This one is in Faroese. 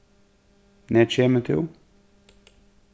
nær kemur tú